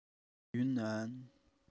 ཡུན ནན